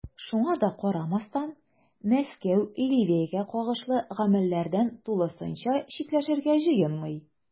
Шуңа да карамастан, Мәскәү Ливиягә кагылышлы гамәлләрдән тулысынча читләшергә җыенмый.